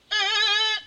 Ɛɛ